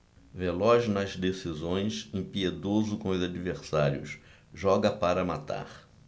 veloz nas decisões impiedoso com os adversários joga para matar